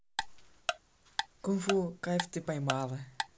кунг фу кайф ты поймала